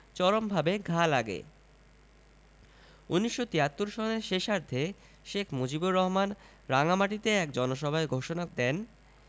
চরমভাবে ঘা লাগে ১৯৭৩ সনের শেষার্ধে শেখ মুজিবুর রহমান রাঙামাটিতে এক জনসভায় ঘোষণা দেন